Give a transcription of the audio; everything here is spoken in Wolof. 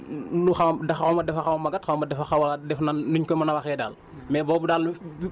mais xam nga rek dañu naan lu xaw ndax xaw ma dafa xaw a màggat xaw ma dafa xaw a def nan nuñ ko mën a waxee daal